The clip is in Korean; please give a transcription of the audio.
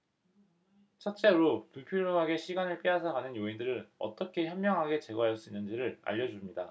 첫째로 불필요하게 시간을 빼앗아 가는 요인들을 어떻게 현명하게 제거할 수 있는지를 알려 줍니다